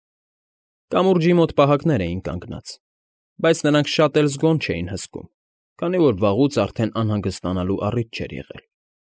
Կամուրջի մոտ պահակներ էին կանգնած, բայց նրանք շատ էլ զգոն չէին հսկում, քանի որ վաղուց արդեն անհանգստանալու առիթ չէր եղել։